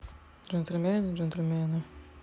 джентльмены джентльмены